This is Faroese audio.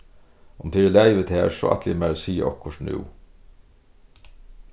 um tað er í lagi við tær so ætli eg mær at siga okkurt nú